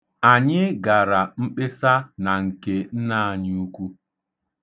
Anyị gara mkpesa na nke nna anyị ukwu.